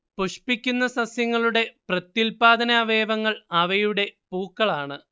പുഷ്പിക്കുന്ന സസ്യങ്ങളുടെ പ്രത്യുല്പാദനാവയവങ്ങൾ അവയുടെ പൂക്കളാണ്